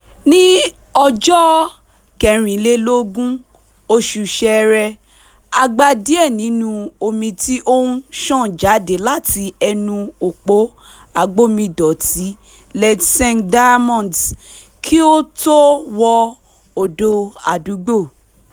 Ní ọjọ́ 24 oṣù Ṣẹ́ẹ́rẹ́, a gba díẹ̀ nínú omi tí ó ń ṣàn jáde láti ẹnu òpó agbómiìdọ̀tí Letšeng Diamonds kí ó tó wọ odò àdúgbò.